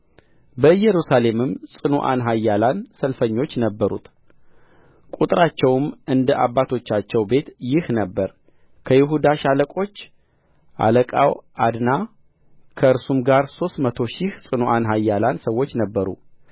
በኢየሩሳሌምም ጽኑዓን ኃያላን ሰልፈኞች ነበሩት ቍጥራቸውም እንደ አባቶቻቸው ቤት ይህ ነበረ ከይሁዳ ሻለቆች አለቃው ዓድና ከእርሱም ጋር ሦስት መቶ ሺህ ጽኑዓን ኃያላን ሰዎች ነበሩ